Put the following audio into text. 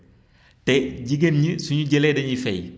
te jigéen ñi su ñu jëlee dañuy fay